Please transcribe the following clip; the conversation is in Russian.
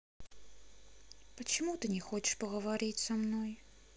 почему ты не хочешь поговорить со мной